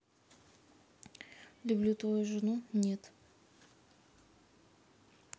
люблю твою жену нет